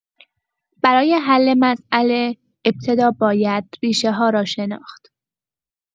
برای حل مسئله، ابتدا باید ریشه‌ها را شناخت.